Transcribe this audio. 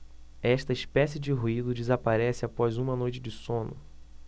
esta espécie de ruído desaparece após uma noite de sono